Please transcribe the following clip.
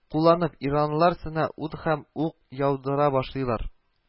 Кулланып, иранлылар өстенә ут һәм ук яудыра башлыйлар